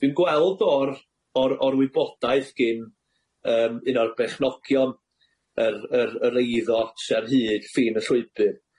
Dwi'n gweld o'r o'r o'r wybodaeth gin yym un o bechnogion yr yr yr eiddo sy ar hyd ffin y llwybyr,